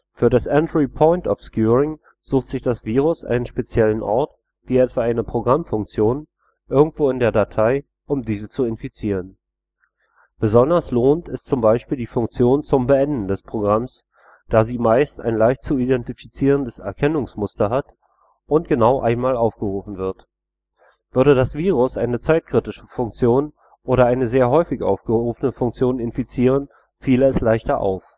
Für das Entry Point Obscuring sucht sich das Virus einen speziellen Ort, wie etwa eine Programmfunktion, irgendwo in der Datei, um diese zu infizieren. Besonders lohnend ist zum Beispiel die Funktion zum Beenden des Programms, da sie meist ein leicht zu identifizierendes Erkennungsmuster hat und genau einmal aufgerufen wird. Würde das Virus eine zeitkritische Funktion oder eine sehr häufig aufgerufene Funktion infizieren, fiele es leichter auf